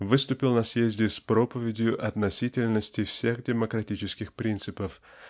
выступил на съезде с проповедью относительности всех демократических принципов